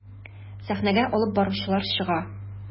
Сәхнәгә алып баручылар чыга.